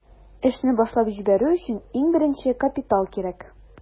Эшне башлап җибәрү өчен иң беренче капитал кирәк.